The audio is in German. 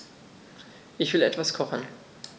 Ich will etwas kochen.